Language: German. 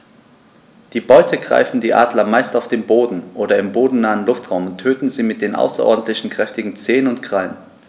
Die Beute greifen die Adler meist auf dem Boden oder im bodennahen Luftraum und töten sie mit den außerordentlich kräftigen Zehen und Krallen.